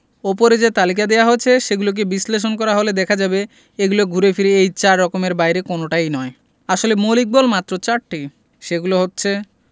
ওপরে যে তালিকা দেওয়া হয়েছে সেগুলোকে বিশ্লেষণ করা হলে দেখা যাবে এগুলো ঘুরে ফিরে এই চার রকমের বাইরে কোনোটাই নয় আসলে মৌলিক বল মাত্র চারটি সেগুলো হচ্ছে